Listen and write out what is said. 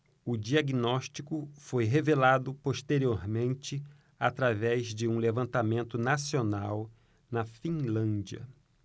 o diagnóstico foi revelado posteriormente através de um levantamento nacional na finlândia